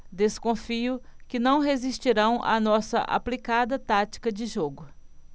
desconfio que não resistirão à nossa aplicada tática de jogo